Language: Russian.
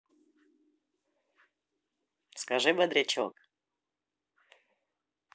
скажи бодрячок